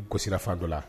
Gosira fan dɔ la